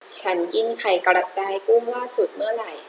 ฉันกินไข่กระจายล่าสุดเมื่อไหร่